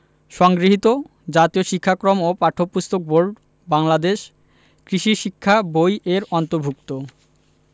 সংগৃহীত জাতীয় শিক্ষাক্রম ও পাঠ্যপুস্তক বোর্ড বাংলাদেশ কৃষি শিক্ষা বই এর অন্তর্ভুক্ত